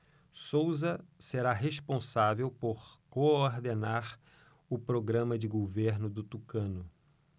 souza será responsável por coordenar o programa de governo do tucano